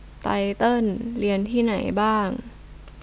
ไตเติ้ลเรียนที่ไหนบ้าง